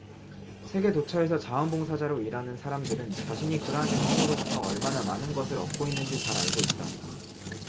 세계 도처에서 자원 봉사자로 일하는 사람들은 자신이 그러한 경험으로부터 얼마나 많은 것을 얻고 있는지 잘 알고 있다